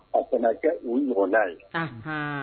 A bɛ kɛ u ɲɔgɔnnaa ye